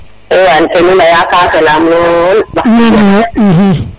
yaam kenu leya ka felam lool